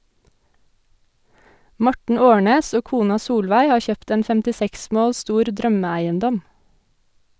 Morten Aarnes og kona Solveig har kjøpt en 56 mål stor drømmeeiendom.